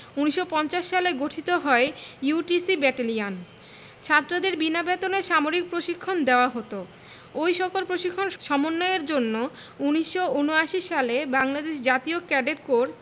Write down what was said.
১৯৫০ সালে গঠিত হয় ইউটিসি ব্যাটালিয়ন ছাত্রদের বিনা বেতনে সামরিক প্রশিক্ষণ দেওয়া হতো ওই সকল প্রশিক্ষণ সমন্বয়ের জন্য ১৯৭৯ সালে বাংলাদেশ জাতীয় ক্যাডেট কোর